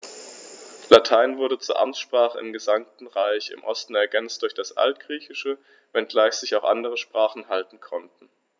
Latein wurde zur Amtssprache im gesamten Reich (im Osten ergänzt durch das Altgriechische), wenngleich sich auch andere Sprachen halten konnten.